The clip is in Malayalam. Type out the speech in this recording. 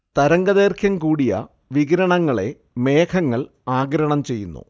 തരംഗദൈർഘ്യം കൂടിയ വികിരണങ്ങളെ മേഘങ്ങൾ ആഗിരണം ചെയ്യുന്നു